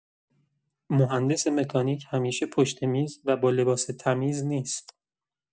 مهندس مکانیک همیشه پشت میز و با لباس تمیز نیست.